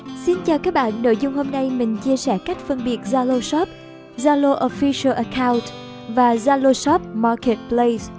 xin chào các bạn nội dung hôm nay mình chia sẻ cách phân biệt zalo shop zalo official account và zalo shop marketplace